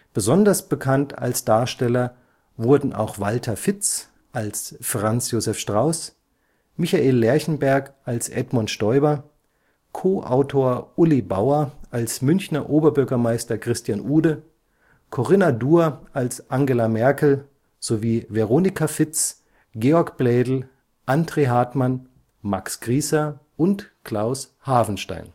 Besonders bekannt als Darsteller wurden auch Walter Fitz als Franz Josef Strauß, Michael Lerchenberg als Edmund Stoiber, Co-Autor Uli Bauer als Münchner Oberbürgermeister Christian Ude, Corinna Duhr als Angela Merkel sowie Veronika Fitz, Georg Blädel, André Hartmann, Max Grießer und Klaus Havenstein